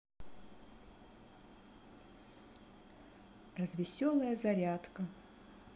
развеселая зарядка